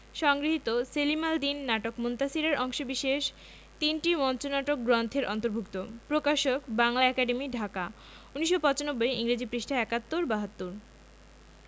সংগৃহীত সেলিম আল দীন নাটক মুনতাসীর এর অংশবিশেষ তিনটি মঞ্চনাটক গ্রন্থের অন্তর্ভুক্ত প্রকাশকঃ বাংলা একাডেমী ঢাকা ১৯৯৫ ইংরেজি পৃঃ ৭১-৭২